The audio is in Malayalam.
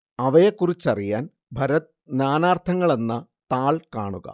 അവയെക്കുറിച്ചറിയന്‍ ഭരത് നാനാര്‍ത്ഥങ്ങളെന്ന താള്‍ കാണുക